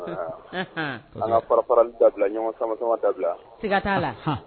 Aa an ka fararali dabila ɲɔgɔn sansama dabila seiga t'a la